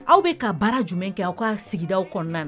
Aw bɛ ka baara jumɛn kɛ aw ka sigida kɔnɔna na